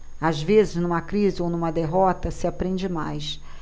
às vezes numa crise ou numa derrota se aprende mais